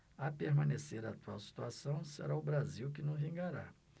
a permanecer a atual situação será o brasil que não vingará